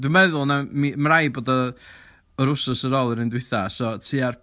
Dwi'n meddwl na- mi- ma' raid bod o yr wythnos ar ôl yr un dwytha so tua'r...